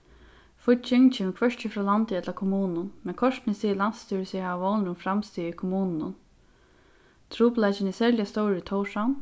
fígging kemur hvørki frá landi ella kommunum men kortini sigur landsstýrið seg hava vónir um framstig í kommununum trupulleikin er serliga stórur í tórshavn